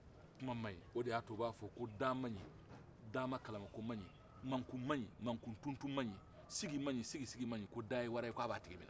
kuman ma ɲi o de la u b'a fo da ma ɲi da makarako ma ɲi makun makuntutun ma ɲi sigi maɲi sigisigi ma ɲi ko da ye wara k'o b'a tigi minɛ